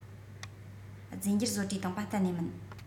རྫས འགྱུར བཟོ གྲྭས བཏང པ གཏན ནས མིན